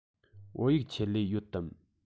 བོད ཡིག ཆེད ལས ཡོད དམ